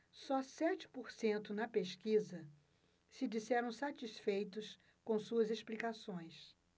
só sete por cento na pesquisa se disseram satisfeitos com suas explicações